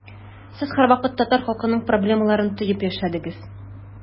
Сез һәрвакыт татар халкының проблемаларын тоеп яшәдегез.